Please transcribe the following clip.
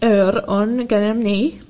yr on gennym ni